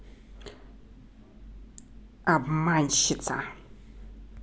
обманщица